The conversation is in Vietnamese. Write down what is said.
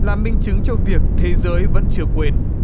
là minh chứng cho việc thế giới vẫn chưa quên